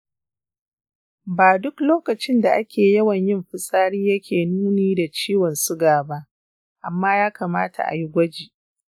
ba duk lokacin da ake yawan yin fitsari yake nuni da ciwon suga ba, amma ya kamata ayi gwaji.